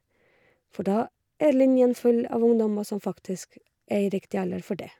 For da er linjen full av ungdommer som faktisk er i riktig alder for dét.